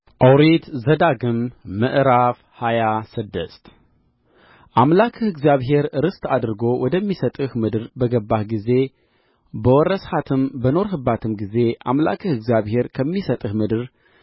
ኦሪት ዘዳግም ምዕራፍ ሃያ ስድስት አምላክህ እግዚአብሔር ርስት አድርጎ ወደሚሰጥህ ምድር በገባህም ጊዜ በወረስሃትም በኖርህባትም ጊዜ አምላክህ እግዚአብሔር ከሚሰጥህ ምድር